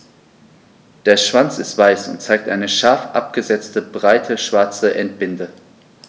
Der Schwanz ist weiß und zeigt eine scharf abgesetzte, breite schwarze Endbinde.